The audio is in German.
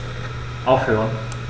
Aufhören.